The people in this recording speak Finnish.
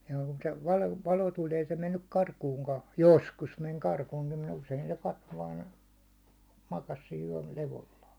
ja kun se - valo tuli ei se mennyt karkuunkaan joskus meni karkuunkin mutta usein se katsoi vain makasi siinä yölevolla